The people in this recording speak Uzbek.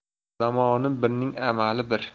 zamoni birning amali bir